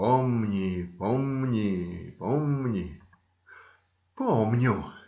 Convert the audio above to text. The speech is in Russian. "Помни, помни, помни. " Помню!